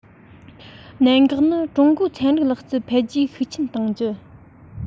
གནད འགག ནི ཀྲུང གོའི ཚན རིག ལག རྩལ འཕེལ རྒྱས ཤུགས ཆེན བཏང རྒྱུ